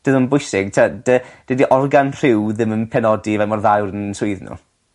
dyw e ddim yn bwysig t'o' dy- dydi organ rhyw ddim yn penodi fel mor dda yw rywun yn swydd n'w.